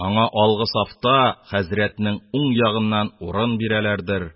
Аңа алгы сафта, хәзрәтнең уң ягыннан урын бирәләрдер...